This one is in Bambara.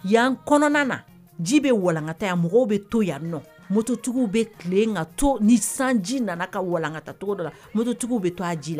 Yan kɔnɔna na ji bɛ walankata yan mɔgɔw bɛ to yan mototigiw bɛ tilen ka to ni san ji nana ka walankatacogo dɔ la mututotigiw bɛ to a ji la